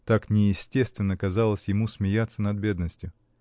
Так неестественно казалось ему смеяться над бедностью.